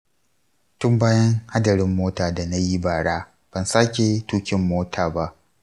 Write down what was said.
tun bayan hadarin mota da na yi bara, ban sake tukin mota ba.